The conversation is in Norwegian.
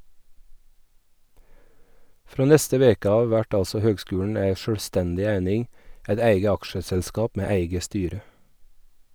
Frå neste veke av vert altså høgskulen ei sjølvstendig eining, eit eige aksjeselskap med eige styre.